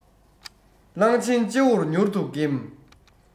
གླང ཆེན སྤྱི བོ མྱུར དུ འགེམས